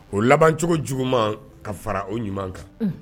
O labancogo juguman ka fara o ɲuman kan